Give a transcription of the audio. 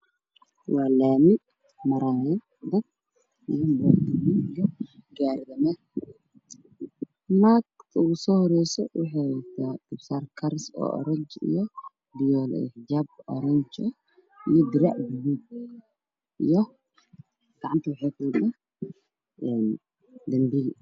Waa laami waxaa maraayo dad iyo mootooyin iyo gaari dameer, naagta ugu soo horeyso waxay wadataa garbasaar oranji ah iyo fiyool ah, xijaab oranji ah, dirac gaduud ah gacanta waxay kuwadataa dambiil